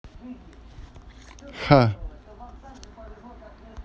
ха